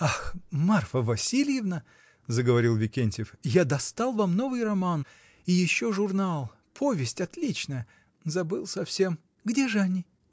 — Ах, Марфа Васильевна, — заговорил Викентьев, — я достал вам новый романс и еще журнал, повесть отличная. забыл совсем. — Где же они?